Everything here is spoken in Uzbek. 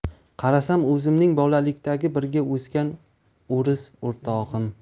qarasam o'zimning bolalikdan birga o'sgan o'riso'rtog'im